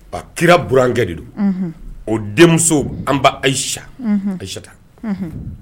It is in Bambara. A kira burankɛ de do o denmuso an bɛ ayisa ayisata